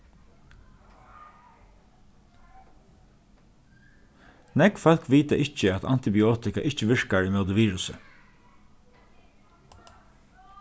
nógv fólk vita ikki at antibiotika ikki virkar ímóti virusi